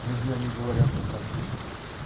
-- Разве они говорят по-французски?